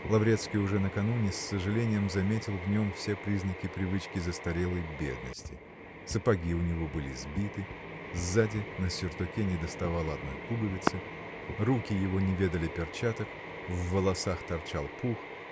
Лаврецкий уже накануне с сожалением заметил в нем все признаки и привычки застарелой бедности: сапоги у него были сбиты, сзади на сюртуке недоставало одной пуговицы, руки его не ведали перчаток, в волосах торчал пух